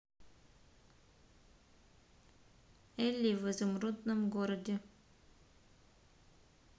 элли в изумрудном городе